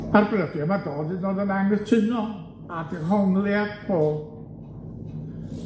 Ar brydia ma' Dodd 'yd yn o'd yn angytuno â dehongliad Paul.